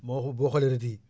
moo xu boo xoolee rëdd yi